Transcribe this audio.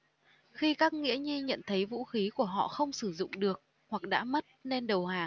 khi các nghĩa nhi nhận thấy vũ khí của họ không sử dụng được hoặc đã mất nên đầu hàng